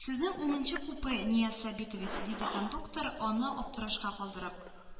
Сезнең унынчы купе, Нияз Сабитович, диде кондуктор, аны аптырашта калдырып.